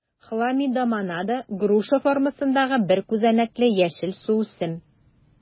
Хламидомонада - груша формасындагы бер күзәнәкле яшел суүсем.